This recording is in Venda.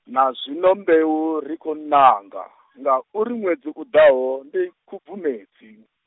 na zwino mbeu ri khou nanga , ngauri ṅwedzi uḓaho ndi Khubvumedzi.